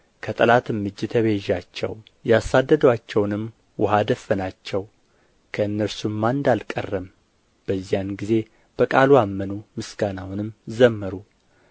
ከጠላትም እጅ ተቤዣቸው ያሳደዱአቸውንም ውኃ ደፈናቸው ከእነርሱም አንድ አልቀረም በዚያን ጊዜ በቃሉ አመኑ ምስጋናውንም ዘመሩ